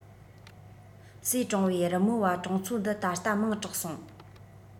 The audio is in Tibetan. གསེས ཀྲོང པའི རི མོ བ གྲོང ཚོ འདི ད ལྟ མིང གྲགས སོང